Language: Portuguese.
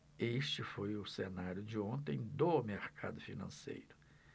este foi o cenário de ontem do mercado financeiro